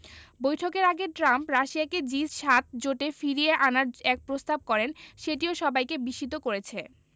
বৈঠকের আগে ট্রাম্প রাশিয়াকে জি ৭ জোটে ফিরিয়ে আনার এক প্রস্তাব করেন সেটিও সবাইকে বিস্মিত করেছে